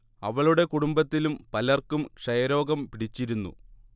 അവളുടെ കുടുംബത്തിലും പലർക്കും ക്ഷയരോഗം പിടിച്ചിരുന്നു